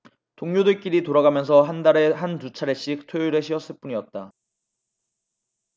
동료들끼리 돌아가면서 한 달에 한 두 차례씩 토요일에 쉬었을 뿐이었다